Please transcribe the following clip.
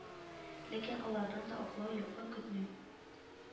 Ләкин алардан да аклау, яклау көтмим